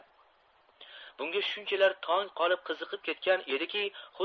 bunga shunchalar tong qolib qiziqib ketgan ediki